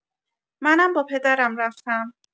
منم با پدرم رفتم.